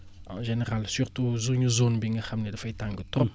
en général surtout suñu zone bi nga xam ne dafay tàng trop